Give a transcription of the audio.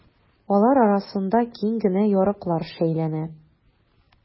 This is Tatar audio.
Алар арасында киң генә ярыклар шәйләнә.